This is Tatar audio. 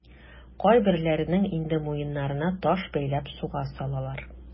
Кайберләренең инде муеннарына таш бәйләп суга салалар.